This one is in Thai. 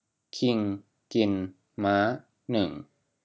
คิงกินม้าหนึ่ง